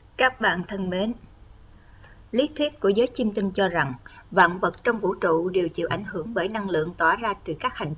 các bạn thân mến lý thuyết của giới chiêm tinh cho rằng vạn vật trong vũ trụ đều chịu ảnh hưởng bởi năng lượng tỏa ra từ các hành tinh